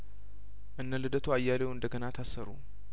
እነ ልደቱ አያሌው እንደገና ታሰሩ